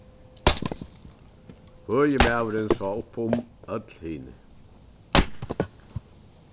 høgi maðurin sá upp um øll hini